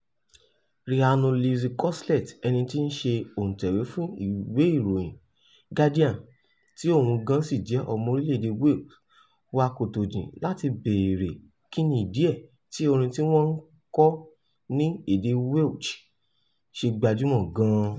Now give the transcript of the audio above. Rhiannon Lucy Cosslett, ẹni tí í ṣe ọ̀ǹtẹ̀wé fún ìwé ìròyìn Guardian tí òun gan-an sì jẹ́ ọmọ orílẹ̀ èdè Wale, wa kòtò jìn láti bèèrè kíni ìdí ẹ̀ tí orin tí wọ́n kọn ní èdè Welsh ṣe gbajúmò gan-an.